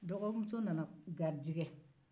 dɔgɔmuso nana garijɛgɛ